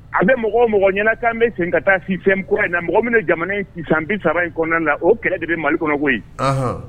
A bɛ mɔgɔ mɔgɔ ɲɛnakan bɛ sen ka taa si fɛn kura in na mɔgɔ min jamana bi saba in kɔnɔna na o kɛlɛ de bɛ malikɔnɔbɔ yen